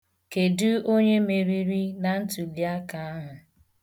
Kedu onye meriri na ntuliaka ahụ?